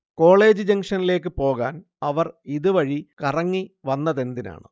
college ജംഗ്ഷനിലേക്കു പോകാൻ അവർ ഇതു വഴി കറങ്ങി വന്നതെന്തിനാണ്